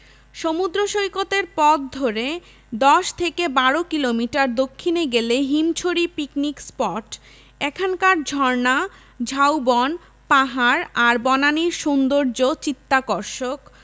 সমুদ্র সৈকতের পথ ধরে ১০ থেকে১২ কিলোমিটার দক্ষিণে গেলে হিমছড়ি পিকনিক স্পট এখানকার ঝর্ণা ঝাউবন পাহাড় আর বনানীর সৌন্দর্য্য চিত্তাকর্ষক